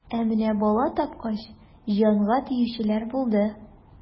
Ә менә бала тапкач, җанга тиючеләр булды.